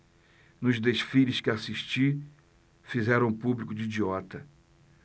nos desfiles que assisti fizeram o público de idiota